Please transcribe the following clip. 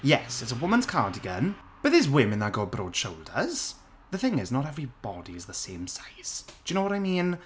Yes, it's a woman's cardigan but there's women that got broad shoulders the thing is, not every body is the same size do you know what I mean?